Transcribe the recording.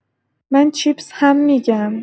من چیپس هم می‌گم.